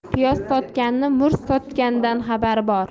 piyoz sotganning murch sotgandan xabari bor